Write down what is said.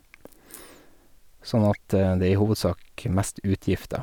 Sånn at det er i hovedsak mest utgifter.